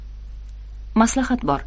maslahat bor